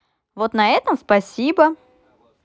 вот на этом спасибо